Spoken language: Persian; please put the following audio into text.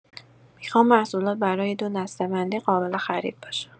میخوام محصولات برای دو دسته‌بندی قابل خرید باشه.